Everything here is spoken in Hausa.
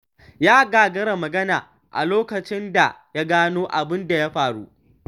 Ya gagara magana a lokacin da ya gano abin da ya faru.